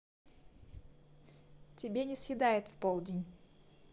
тебе не съедает в полдень